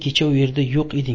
kecha u yerda yo'q eding